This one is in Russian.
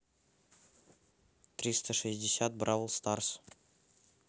триста шестьдесят бравл старс